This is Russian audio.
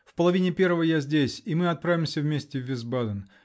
В половине первого здесь-и мы отправимся вместе в Висбаден.